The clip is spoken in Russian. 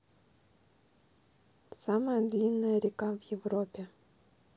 самая длинная река в европе